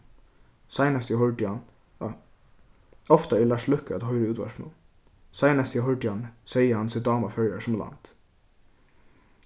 seinast eg hoyrdi hann ofta er lars løkke at hoyra í útvarpinum seinast eg hoyrdi hann segði hann seg dáma føroyar sum land